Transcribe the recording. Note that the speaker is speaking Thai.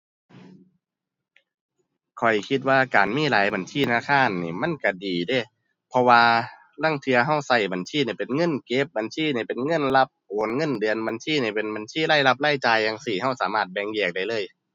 ข้อยคิดว่าการมีหลายบัญชีธนาคารนี่มันก็ดีเดะ เพราะว่าลางเที่ยก็ก็บัญชีนี้เป็นเงินเก็บ บัญชีนี้เป็นเงินรับโอนเงินเดือน บัญชีนี้เป็นบัญชีรายรับรายจ่ายจั่งซี้ ก็สามารถแบ่งแยกได้เลย